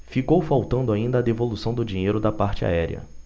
ficou faltando ainda a devolução do dinheiro da parte aérea